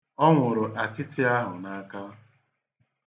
Ọ nwụrụ atịtị ahụ n'aka.